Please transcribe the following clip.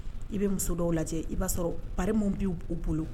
I bɛ muso dɔw lajɛ i b'a sɔrɔ pa minnu b bɛ' bolo